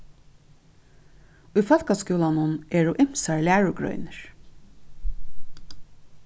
í fólkaskúlanum eru ymsar lærugreinir